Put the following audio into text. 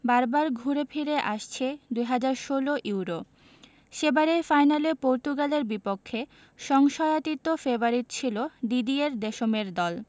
বারবার ঘুরে ফিরে আসছে ২০১৬ ইউরো সেবারের ফাইনালে পর্তুগালের বিপক্ষে সংশয়াতীত ফেভারিট ছিল দিদিয়ের দেশমের দল